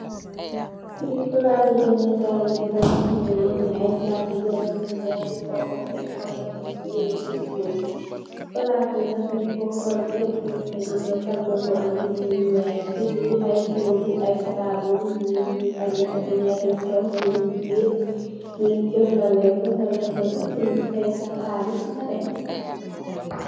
Li palasi deme kai leka la mongi amex ay tate garab yu neeti coco nyun ko tek si siwo yu nuul palas bi nak nyun ko korget mo gi ame tablo bu am bindi yu weex si birr ay togu ay tabul yu nuul nyufa neka dagai dem tog duga si birr nyu jox la leka nga leka beh soor nga fey sax xaalis nga dem.